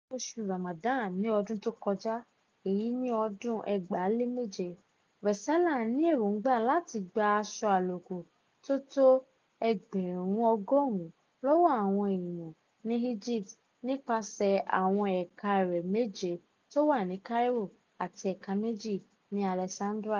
Nínú oṣù Ramadan ní ọdún tó kọjá (2007), Resala ní èròńgbà láti gba aṣọ àlòkù tó tó ẹgbẹ̀rún 100 lọ́wọ́ àwọn eèyàn ní Egypt nípasẹ̀ àwọn ẹ̀ka rẹ̀ 7 tó wà ní Cairo àti ẹ̀ka 2 ní Alexandria.